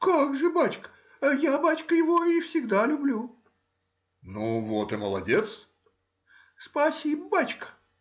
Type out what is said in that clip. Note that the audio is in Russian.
— Как же, бачка,— я, бачка, его и всегда люблю. — Ну вот и молодец. — Спасибо, бачка.